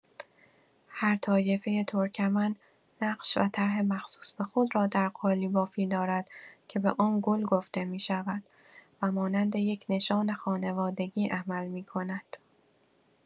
هر طایفه ترکمن نقش و طرح مخصوص به خود را در قالی‌بافی دارد که به آن «گل» گفته می‌شود و مانند یک نشان خانوادگی عمل می‌کند.